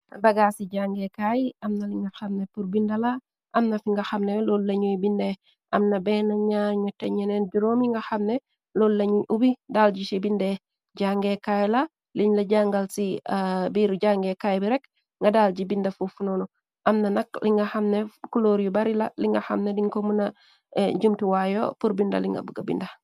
Bagaa ci jàngeekaay yi amna linga xamne pur bindala amna fi nga xamne lool lañuy binde amna benn ñaañu te ñeneen juróomi nga xamne lool lañuy ubi dal ji ci binde jàngeekaay la liñ la jangal ci biiru jànge kaay bi rekk nga daal ji bindafu funoono amna naq li nga xamne kloor yu bari la li nga xamne linko muna jumtiwaayo purbinda linga buga binda.